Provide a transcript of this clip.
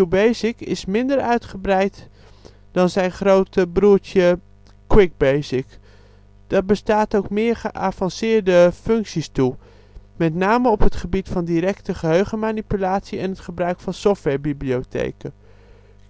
QBasic is minder uitgebreid zijn grote broertje QuickBasic. Dat staat ook meer geavanceerdere functies toe (met name op het gebied van directe geheugenmanipulatie en het gebruik van softwarebibliotheken).